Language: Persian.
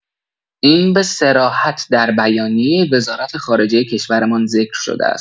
این به صراحت در بیانیه وزارت‌خارجه کشورمان ذکر شده است.